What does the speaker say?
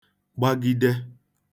gbagide